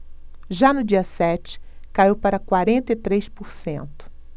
já no dia sete caiu para quarenta e três por cento